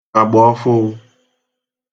agbàọfụụ